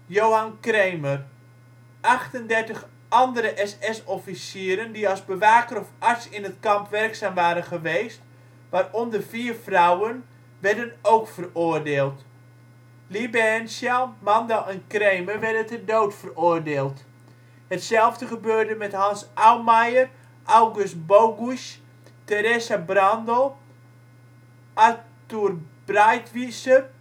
Johann Kremer. Achtendertig andere SS-officieren die als bewaker of arts in het kamp werkzaam waren geweest, waaronder vier vrouwen, werden ook veroordeeld. Liebehenschel, Mandel en Kremer werden ter dood veroordeeld. Hetzelfde gebeurde met Hans Aumeier, August Bogusch, Theresa Brandl, Arthur Breitwiser